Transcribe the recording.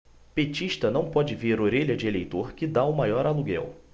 petista não pode ver orelha de eleitor que tá o maior aluguel